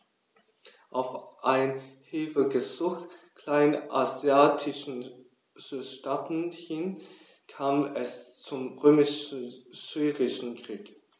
Auf ein Hilfegesuch kleinasiatischer Staaten hin kam es zum Römisch-Syrischen Krieg.